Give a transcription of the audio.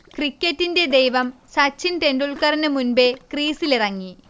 'ക്രിക്കറ്റിന്റെ ദൈവം' സച്ചിൻ ടെൻഡുൽക്കറിന് മുൻപേ ക്രീസിലിറങ്ങി